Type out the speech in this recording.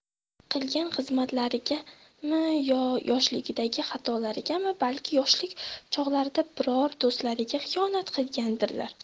qilgan xizmatlarigami yo yoshlikdagi xatolarigami balki yoshlik chog'larida biror do'stlariga xiyonat qilgandirlar